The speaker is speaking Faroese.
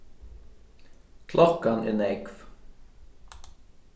klokkan er nógv